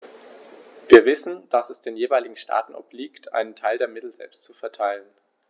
Wir wissen, dass es den jeweiligen Staaten obliegt, einen Teil der Mittel selbst zu verteilen.